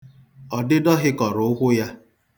Ọdịdọ hịkọrọ ụkwụ ya.